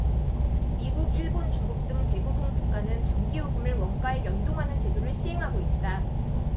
미국 일본 중국 등 대부분 국가는 전기요금을 원가에 연동하는 제도를 시행하고 있다